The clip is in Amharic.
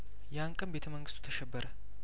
ያን ቀን ቤተ መንግስቱ ተሸበረ